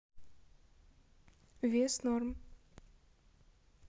вес норм